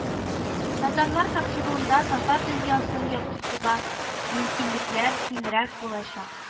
Татарлар тапшыруында татар дөньясын яктыртуга мөмкинлекләр киңрәк булачак